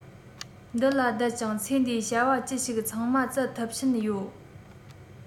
འདི ལ བསྡད ཅིང ཚེ འདིའི བྱ བ ཅི ཞིག ཚང མ བཙལ ཐུབ ཕྱིན ཡོད